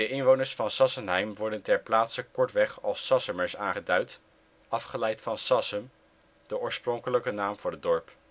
inwoners van Sassenheim worden ter plaatse kortweg als Sassemers aangeduid, afgeleid van Sassem, de oorspronkelijke naam voor het dorp